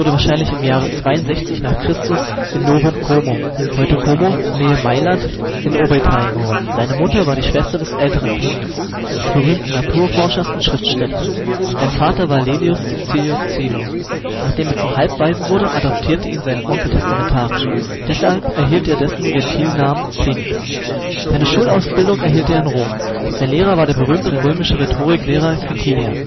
wahrscheinlich im Jahre 62 n. Chr. in Novum Comum (heute:Como), Nähe Mailand, in Oberitalien geboren. Seine Mutter war die Schwester des Älteren Plinius, des berühmten Naturforschers und Schriftstellers. Sein Vater war Laelius Caecilius Cilo. Nachdem er zum Halbwaisen wurde, adoptierte ihn sein Onkel testamentarisch, deshalb erhielt er dessen Gentilnamen Plinius. Seine Schulausbildung erhielt er in Rom. Sein Lehrer war der berühmte römische Rhetoriklehrer Quintilian